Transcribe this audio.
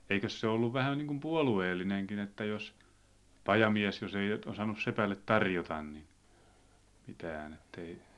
eikös se ollut vähän niin kuin puolueellinenkin että jos pajamies jos ei osannut sepälle tarjota niin mitään että ei